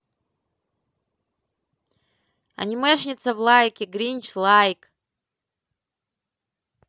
анимешница в лайке гринч лайк